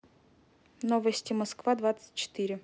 новости москва двадцать четыре